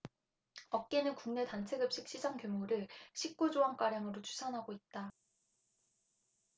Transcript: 업계는 국내 단체급식 시장 규모를 십 구 조원가량으로 추산하고 있다